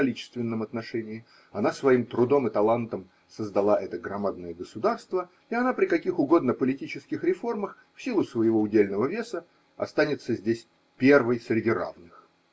в количественном отношении: она своим трудом и талантом создала это громадное государство, и она при каких угодно политических реформах, в силу своего удельного веса, останется здесь первой среди равных.